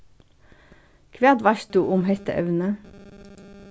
hvat veitst tú um hetta evnið